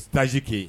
Tajike